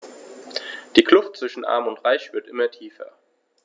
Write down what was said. Die Kluft zwischen Arm und Reich wird immer tiefer.